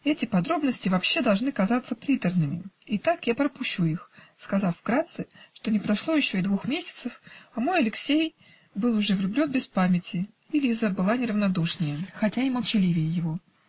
Эти подробности вообще должны казаться приторными, итак я пропущу их, сказав вкратце, что не прошло еще и двух месяцев, а мой Алексей был уже влюблен без памяти, и Лиза была не равнодушнее, хотя и молчаливее его.